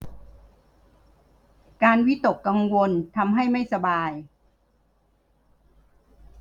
การวิตกกังวลการวิตกกังวลทำให้ไม่สบาย